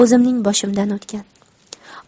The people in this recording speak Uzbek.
o'zimning boshimdan o'tgan